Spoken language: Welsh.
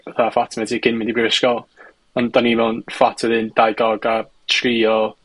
fatha flat mates i cyn mynd i brifysgol, ond 'dan i mewn fflat yr un, dau Gog a tri o